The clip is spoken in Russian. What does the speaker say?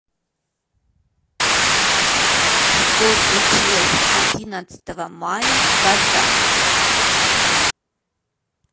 что случилось одиннадцатого мая в казани